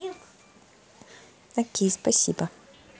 окей спасибо